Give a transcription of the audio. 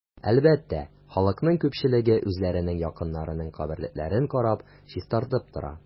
Әлбәттә, халыкның күпчелеге үзләренең якыннарының каберлекләрен карап, чистартып тора.